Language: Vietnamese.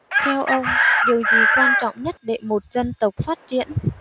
theo ông điều gì quan trọng nhất để một dân tộc phát triển